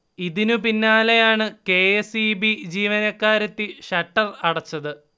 ഇതിന് പിന്നാലെയാണ് K. S. E. B. ജീവനക്കാരെത്തി ഷട്ടർ അടച്ചത്